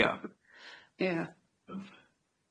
Ia.